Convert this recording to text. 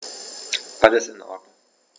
Alles in Ordnung.